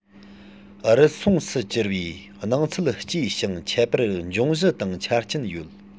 རུལ སུངས སུ འགྱུར བའི སྣང ཚུལ སྐྱེ ཞིང མཆེད པར འབྱུང གཞི དང ཆ རྐྱེན ཡོད